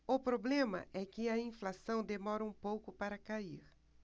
o problema é que a inflação demora um pouco para cair